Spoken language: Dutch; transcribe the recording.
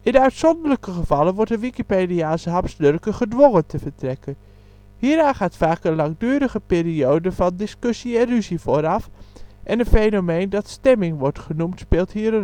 uitzonderlijke gevallen wordt een Wikipediaanse hapsnurker gedwongen te vertrekken. Hieraan gaat vaak een langdurige periode van discussie en ruzie vooraf, en een fenomeen dat stemming wordt genoemd speelt hier